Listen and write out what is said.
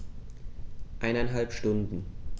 Eineinhalb Stunden